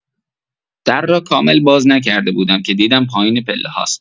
در را کامل باز نکرده بودم که دیدم پایین پله‌هاست.